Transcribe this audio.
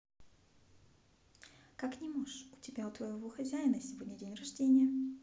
как не можешь у тебя у твоего хозяина сегодня день рождения